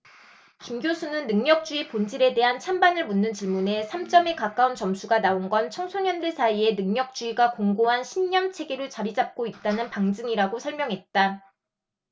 김 교수는 능력주의 본질에 대한 찬반을 묻는 질문에 삼 점에 가까운 점수가 나온 건 청소년들 사이에 능력주의가 공고한 신념체계로 자리잡고 있다는 방증이라고 설명했다